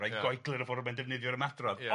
reit goeglyd yn y ffor ma'n defnyddio'r ymadrodd... Ia...